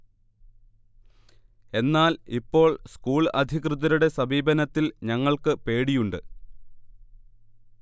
എന്നാൽ, ഇപ്പോൾ സ്കൂൾ അധികൃതരുടെ സമീപനത്തിൽ ഞങ്ങൾക്ക് പേടിയുണ്ട്